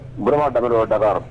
Uraba da dɔrɔn a da